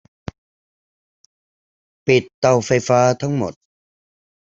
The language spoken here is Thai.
ปิดเตาไฟฟ้าทั้งหมด